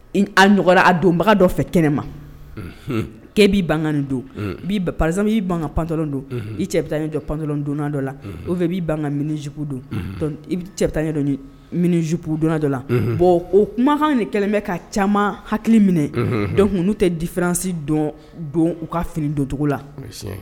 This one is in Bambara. N a a donbaga dɔ fɛ kɛnɛ ma kɛ b'i ban don b'i pa'i ban ka pantɔ don i cɛ bɛ taa pantɔ don dɔ la o fɛ b'i ban ka minijuguu don i cɛ bɛ taa dɔnjuupu don dɔ la bon o kumakan ni kɛlen bɛ ka caman hakili minɛ dɔnc n'u tɛ difiransi don don u ka fini doncogo la